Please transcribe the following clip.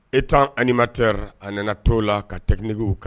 E tan ani matɛ a nana to la ka tɛmɛ kan